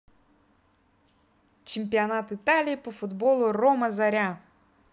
чемпионат италии по футболу рома заря